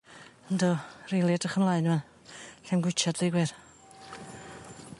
Yndw rili edrych ymlaen yfe llai'm gwitsiad .